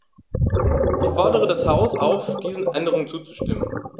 Ich fordere das Haus auf, diesen Änderungen zuzustimmen.